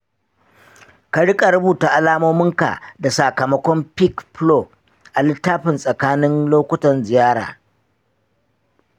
ka riƙa rubuta alamominka da sakamakon peak flow a littafi tsakanin lokutan ziyara.